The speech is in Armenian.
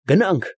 Գնա՛նք։